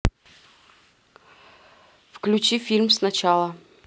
включи фильм сначала